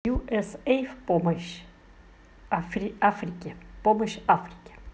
ю эс эй в помощь африке